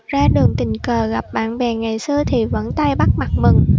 đường tình cờ gặp bạn bè ngày xưa thì vẫn tay bắt mặt mừng